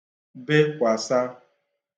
bekwàsa